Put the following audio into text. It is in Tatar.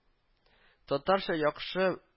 Татарча яхшы